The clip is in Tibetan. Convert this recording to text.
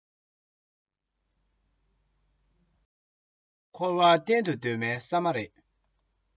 འཁོར བ གཏན དུ སྡོད པའི ས མ རེད